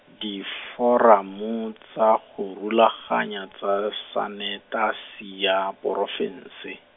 Diforamo tsa go rulaganya tsa sanetasi ya porofense.